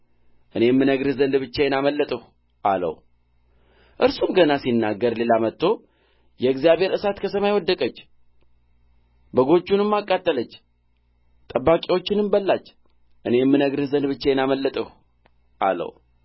እኔም እነግርህ ዘንድ ብቻዬን አመለጥሁ አለው እርሱም ገና ሲናገር ሌላ መጥቶ የእግዚአብሔር እሳት ከሰማይ ወደቀች በጎቹንም አቃጠለች ጠባቂዎችንም በላች እኔም እነግርህ ዘንድ ብቻዬን አመለጥሁ አለው